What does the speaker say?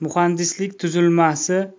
muhandislik tuzilmasi